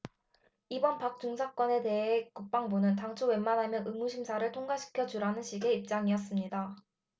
이번 박 중사 건에 대해 국방부는 당초 웬만하면 의무심사를 통과시켜 주라는 식의 입장이었습니다